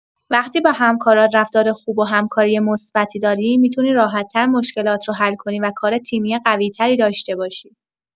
وقتی با همکارات رفتار خوب و همکاری مثبتی داری، می‌تونی راحت‌تر مشکلات رو حل کنی و کار تیمی قوی‌تری داشته باشی.